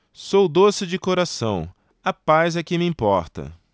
sou doce de coração a paz é que me importa